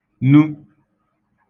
nu